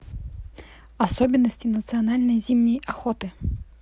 особенности национальной зимней охоты